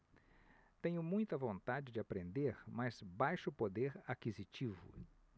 tenho muita vontade de aprender mas baixo poder aquisitivo